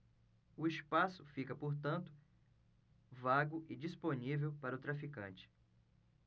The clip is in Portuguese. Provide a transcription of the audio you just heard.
o espaço fica portanto vago e disponível para o traficante